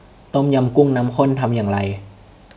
ต้มยำกุ้งน้ำข้นทำอย่างไร